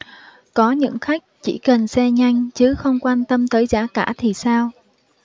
có những khách chỉ cần xe nhanh chứ không quan tâm tới giá cả thì sao